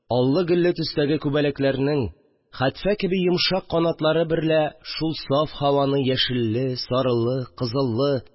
Аллы-гөлле төстәге күбәләкләрнең хәтфә кеби йомшак канатлары берлә шул саф һаваны яшелле, сарылы, кызыллы